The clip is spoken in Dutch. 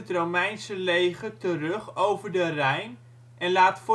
Romeinse leger terug over de Rijn en laat